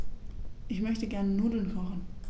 Ich möchte gerne Nudeln kochen.